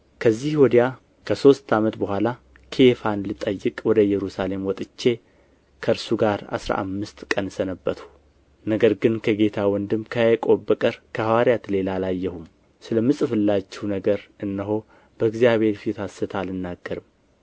ከዚህ ወዲያ ከሦስት ዓመት በኋላ ኬፋን ልጠይቅ ወደ ኢየሩሳሌም ወጥቼ ከእርሱ ጋር አሥራ አምስት ቀን ሰነበትሁ ነገር ግን ከጌታ ወንድም ከያዕቆብ በቀር ከሐዋርያት ሌላ አላየሁም ስለምፅፍላችሁም ነገር እነሆ በእግዚአብሔር ፊት ሐሰት አልናገርም